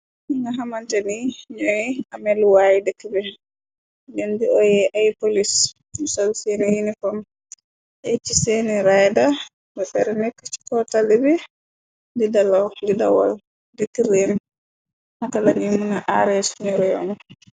Ñi nga xamante ni ñooy ameluwaay dëkk be denn di oyé ay polis yu sol seeni uniform eci seni ride ba ter nekk ci kortali bi di dalo di dawal dëkk réem nakalañi mëna ars ñoro yoomi.